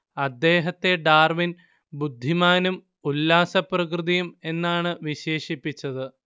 അദ്ദേഹത്തെ ഡാർവിൻ ബുദ്ധിമാനും ഉല്ലാസപ്രകൃതിയും എന്നാണ് വിശേഷിപ്പിച്ചത്